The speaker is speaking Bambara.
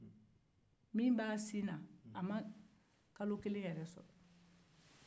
min tun b'a sin na ma kalo kelen yɛrɛ sɔrɔ